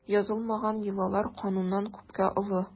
Язылмаган йолалар кануннан күпкә олы.